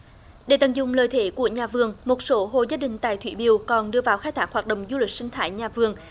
để tận dụng lợi thế của nhà vườn một số hộ gia đình tại thị điều cần đưa vào khai thác hoạt động du lịch sinh thái nhà vườn